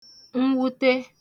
nwute